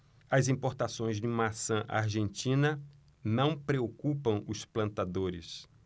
as importações de maçã argentina não preocupam os plantadores